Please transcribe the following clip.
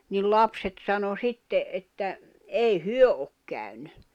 niin lapset sanoi sitten että ei he ole käynyt